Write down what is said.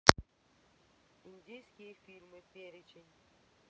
индийские фильмы перечень